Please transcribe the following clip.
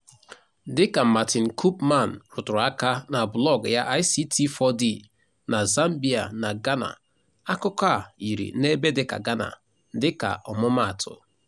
Dịka Martine Koopman rụtụrụ aka na blọọgụ ya ICT4D na Zambia na Ghana, akụkọ a yiri n'ebe dịka Ghana, dịka ọmụmaatụ.